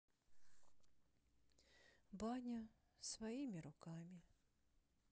баня своими руками